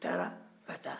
u taara ka taa